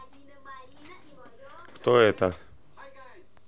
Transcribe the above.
кто это